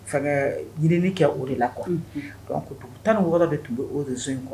Fɛngɛɛ ɲininin kɛ o de la quoi unhun donc 16 de tun be o réseau in kɔ